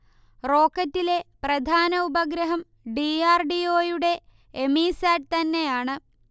റോക്കറ്റിലെ പ്രധാന ഉപഗ്രഹം D. R. D. O. യുടെ എമീസാറ്റ് തന്നെയാണ്